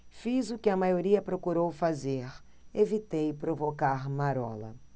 fiz o que a maioria procurou fazer evitei provocar marola